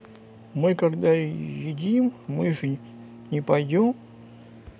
мы когда едим мы же не пойдем